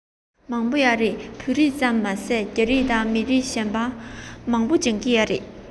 མང པོ ཡོད རེད བོད རིགས ཙམ མ ཟད རྒྱ རིགས དང མི རིགས གཞན དག མང པོ ཞིག གིས བོད ཡིག སྦྱོང གི ཡོད རེད